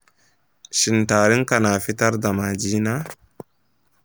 shin tarinka na fitar da majina?